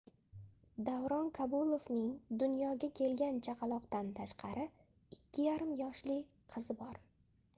davron kabulovning dunyoga kelgan chaqaloqdan tashqari ikki yarim yoshli qizi bor